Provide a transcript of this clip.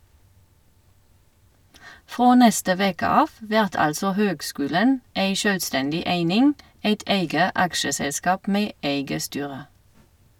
Frå neste veke av vert altså høgskulen ei sjølvstendig eining, eit eige aksjeselskap med eige styre.